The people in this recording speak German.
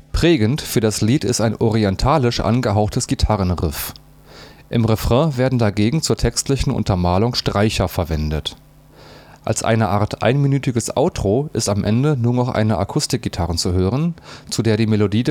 Prägend für das Lied ist ein orientalisch angehauchtes Gitarrenriff. Im Refrain werden dagegen zur textlichen Untermalung Streicher verwendet. Als eine Art einminütiges „ Outro “ist am Ende nur noch eine Akustikgitarre zu hören, zu der die Melodie